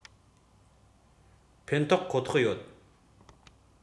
ཕན ཐོགས ཁོ ཐག ཡོད